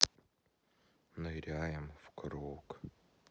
ныряем в круг